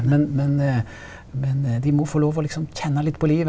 men men men dei må få lov å liksom kjenna litt på livet.